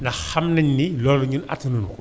ndax xam nañ ni loolu ñun attanuñu ko